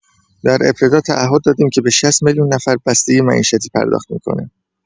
در ابتدا تعهد دادیم که به ۶۰ میلیون نفر بسته معیشتی پرداخت می‌کنیم.